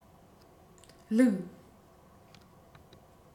བླུག